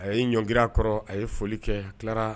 A ye ɲɔngki kɔrɔ a ye foli kɛ tilara